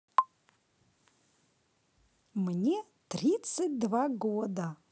мне тридцать два года